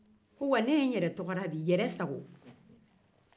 wa ne ye n yɛrɛ tɔgɔ da bi yɛrɛsago